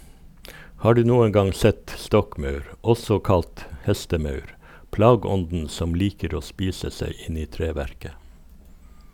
Har du noen gang sett stokkmaur, også kalt hestemaur, plageånden som liker å spise seg inn i treverket?